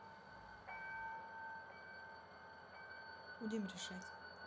будем решать